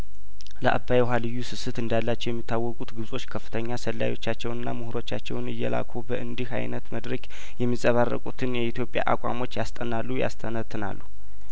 ለአባይ ውሀ ልዩ ስስት እንዳላቸው የሚታወቁት ግብጾች ከፍተኛ ሰላዮቻቸውና ምሁሮቻቸውን እየላኩ በእንዲህ አይነት መድረክ የሚንጸባረቁትን የኢትዮጵያ አቋሞች ያስጠናሉ ያስተነትናሉ